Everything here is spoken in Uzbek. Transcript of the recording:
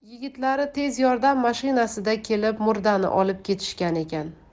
yigitlari tez yordam mashinasida kelib murdani olib ketishgan ekan